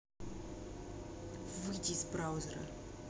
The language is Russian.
выйди из браузера